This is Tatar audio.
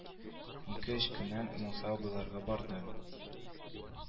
Ике-өч көннән муса абыйларга бардым